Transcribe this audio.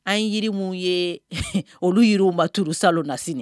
An yiri minnu ye olu yiriba tuuru sa na sini